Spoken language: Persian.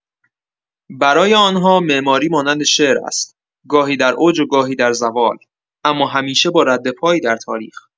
برای آن‌ها، معماری مانند شعر است؛ گاهی در اوج و گاهی در زوال، اما همیشه با ردپایی در تاریخ.